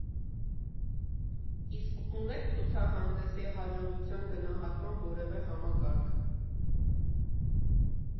Իսկ ունե՞ք ցուցահանդեսի հաջողության գնահատման որևէ համակարգ։